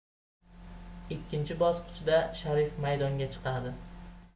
ikkinchi bosqichda sharif maydonga chiqadi